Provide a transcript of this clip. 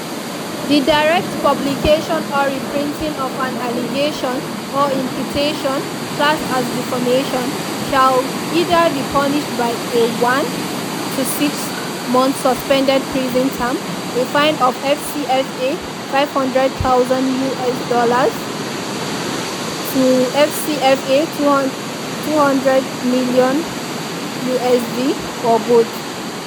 The direct publication or reprinting of an allegation or imputation classed as defamation, shall either be punished by a one (01) to six (06) months suspended prison term, a fine of FCFA 500,000 (USD 830) to FCFA 2,000,000 (USD 3,327), or both.